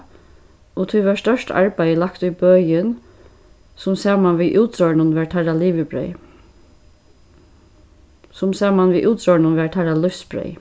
og tí var stórt arbeiði lagt í bøin sum saman við útróðrinum var teirra livibreyð sum saman við útróðrinum var teirra lívsbreyð